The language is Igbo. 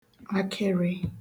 akịrị̄